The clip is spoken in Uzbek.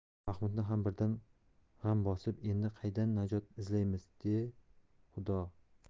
mahmudni ham birdan g'am bosib endi qaydan najot izlaymiz e xudo